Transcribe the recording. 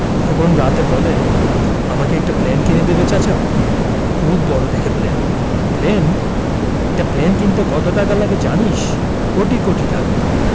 শরিফা ঘর থেকে ঔষধের কৌটোটা এনে দিল কৌটা থেকে ঔষধ বের করে নানার হাতে দিল নানা বেঁচে থাকো বুবু